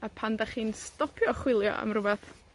A pan 'dach chi'n stopio chwilio am rwbath,